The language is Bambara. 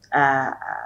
Ɛɛ